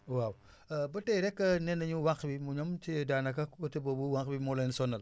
waaw ba tey rek nee na ñu wànq bi mu ñoom ci daanaka côté boobu wànq bi moo leen sonal